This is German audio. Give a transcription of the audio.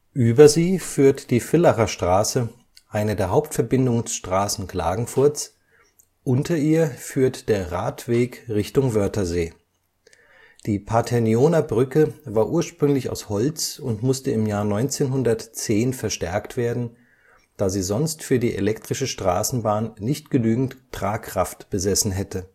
Über sie führt die Villacher Straße, eine der Hauptverbindungsstraßen Klagenfurts, unter ihr führt der Radweg Richtung Wörthersee. Die Paternioner Brücke war ursprünglich aus Holz und musste im Jahr 1910 verstärkt werden, da sie sonst für die elektrische Straßenbahn nicht genügend Tragkraft besessen hätte